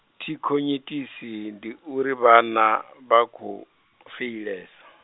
thikhonyitisi ndi uri vhana, vha khou, feilesa.